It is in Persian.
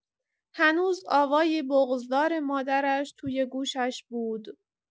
هنوز آوای بغض‌دار مادرش توی گوشش بود.